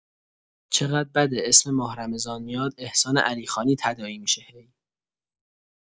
چقد بده اسم ماه رمضان میاد احسان علیخانی تداعی می‌شه هی